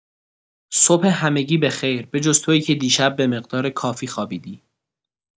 صبح همگی بخیر به‌جز تویی که دیشب به مقدار کافی خوابیدی.